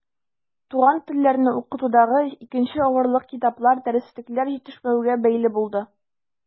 Туган телләрне укытудагы икенче авырлык китаплар, дәреслекләр җитешмәүгә бәйле булды.